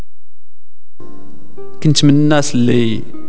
انت من الناس اللي